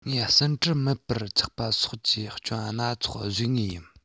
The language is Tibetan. ངའི ཟིན བྲིས མེད པར ཆགས པ སོགས ཀྱི སྐྱོན སྣ ཚོགས བཟོས ངེས ཡིན